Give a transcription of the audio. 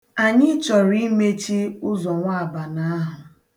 Anyị chọrọ imechi ụzọnwaabana ahụ.